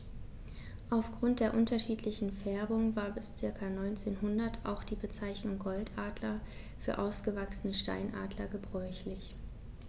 Auf Grund der unterschiedlichen Färbung war bis ca. 1900 auch die Bezeichnung Goldadler für ausgewachsene Steinadler gebräuchlich.